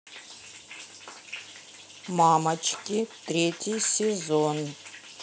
мамочки третий сезон